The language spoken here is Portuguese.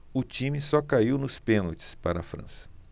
o time só caiu nos pênaltis para a frança